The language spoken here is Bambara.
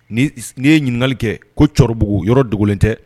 N' ye ɲininkali kɛ ko cɛkɔrɔbabugu yɔrɔ dogolen tɛ